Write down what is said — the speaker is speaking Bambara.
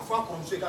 A fa kun se